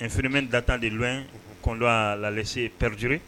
N fmɛ data de lu kɔ a lase preur